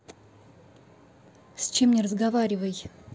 с чем не разговаривай